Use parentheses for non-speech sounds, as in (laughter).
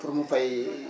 pour mu fay (hesitation)